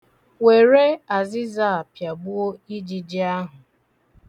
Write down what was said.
Were azịza a pịagbuo ijiji ahụ.